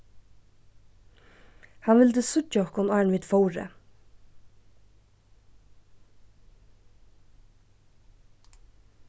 hann vildi síggja okkum áðrenn vit fóru